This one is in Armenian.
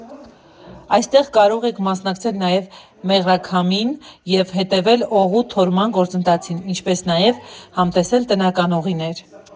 Այստեղ կարող եք մասնակցել նաև մեղրաքամին և հետևել օղու թորման գործընթացին, ինչպես նաև համտեսել տնական օղիներ։